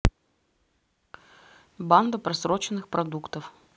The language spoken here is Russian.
банда просроченных продуктов